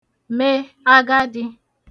me agadị̄